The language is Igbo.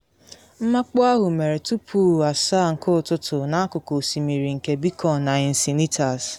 Mmakpu ahụ mere tupu 7 ụtụtụ n’akụkụ Osimiri nke Beacon na Encinitas.